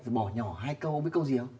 rồi bỏ nhỏ hai câu biết câu gì không